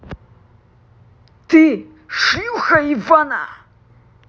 ты шлюха ивана